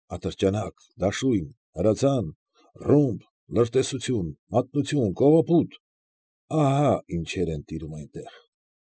Ատրճանակ, դաշույն, հրացան, ռումբ, լրտեսություն, մատնություն, կողոպուտ ֊ ահա՛ ինչեր են տիրում այնտեղ։